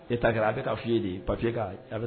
E ta a bɛ ka f fɔye ye papiye